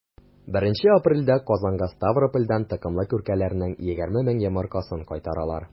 1 апрельдә казанга ставропольдән токымлы күркәләрнең 20 мең йомыркасын кайтаралар.